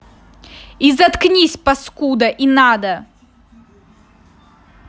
и заткнись паскуда и надо